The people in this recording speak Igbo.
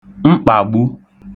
mkpàgbu